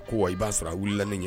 Ko wa i b'a sɔrɔ wililannin ye